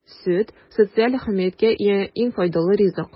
Сөт - социаль әһәмияткә ия иң файдалы ризык.